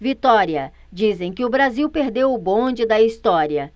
vitória dizem que o brasil perdeu o bonde da história